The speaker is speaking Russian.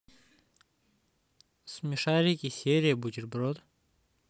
смешарики серия бутерброд